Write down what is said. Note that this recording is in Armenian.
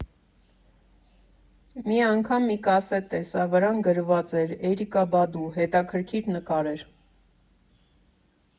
Մի անգամ մի կասետ տեսա՝ վրան գրված էր Էրիկա Բադու, հետաքրքիր նկար էր։